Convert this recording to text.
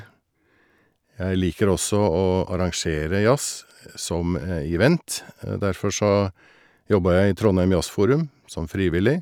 Jeg liker også å arrangere jazz, som event, derfor så jobba jeg i Trondheim Jazzforum, som frivillig.